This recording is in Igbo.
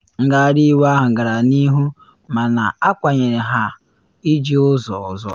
Ngagharị iwe ahụ gara n’ihu mana akwanyere ha iji ụzọ ọzọ.